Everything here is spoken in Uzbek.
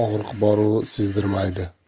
og'riq bor u sezdirmaydi